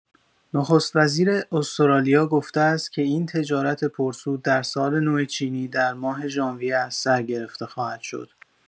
نخست‌وزیر استرالیا گفته است که این تجارت پرسود در سال‌نو چینی در ماه ژانویه از سر گرفته خواهد شد.